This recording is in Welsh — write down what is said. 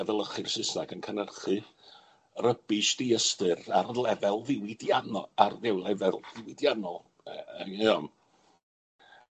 efelychu'r Sysnag yn cynhyrchu rybish diystyr ar lefel ddiwydiannol ar rhyw lefel ddiwydiannol yy .